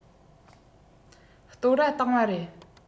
བསྟོད ར བཏང བ རེད